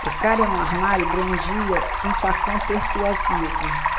o cara era um armário e brandia um facão persuasivo